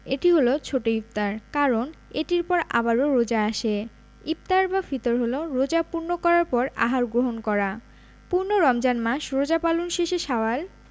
এটি হলো ছোট ইফতার কারণ এটির পর আবারও রোজা আসে ইফতার বা ফিতর হলো রোজা পূর্ণ করার পর আহার গ্রহণ করা পূর্ণ রমজান মাস রোজা পালন শেষে শাওয়াল